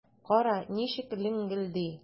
Кара, ничек ләңгелди!